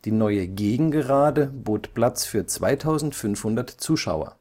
neue Gegengerade bot Platz für 2.500 Zuschauer